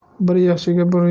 bir yaxshiga bir